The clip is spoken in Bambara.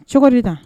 Cogo di tan?